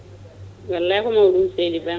wallay ko mawɗum seydi Ba